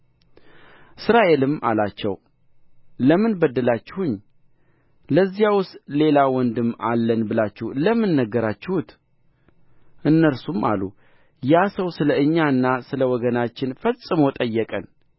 እስራኤልም አላቸው ለምን በደላችሁኝ ለዚያውስ ሌላ ወንድም አለን ብላችሁ ለምን ነገራችሁት እነርሱም አሉ ያ ሰው ስለ እኛና ስለ ወገናችን ፈጽሞ ጠየቀን